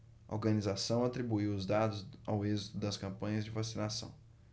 a organização atribuiu os dados ao êxito das campanhas de vacinação